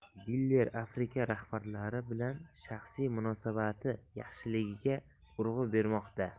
bler afrika rahbarlari bilan shaxsiy munosabati yaxshiligiga urg'u bermoqda